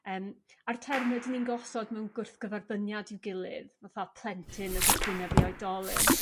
Yrm a'r terme 'dyn ni'n gosod mewn gwrthgyferbyniad i'w gilydd fath a plentyn yn gwrthwyneb i oedolyn.